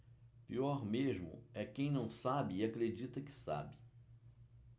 pior mesmo é quem não sabe e acredita que sabe